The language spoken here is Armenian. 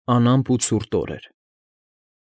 Անամպ ու ցուրտ օր էր։